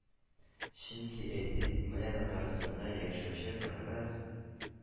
Чөнки, әйтик, менә Татарстанда яшәүче кыргыз,